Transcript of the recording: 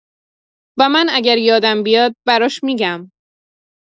و من اگر یادم بیاد، براش می‌گم.